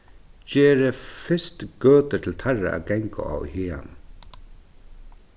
gerið fyrst gøtur til teirra at ganga á í haganum